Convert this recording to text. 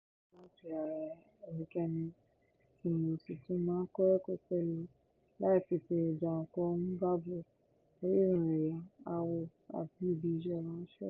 Mo máa ń kọ́ ẹ̀kọ́ láti ara ẹnikẹ́ni tí mo sì tún máa ń kọ́ ẹnikẹ́ni pẹ̀lú láì fi ti ìjánkọ-n-bábo, orírun, ẹ̀yà, àwọ̀ àbí ibi ìsẹ̀wá ṣe.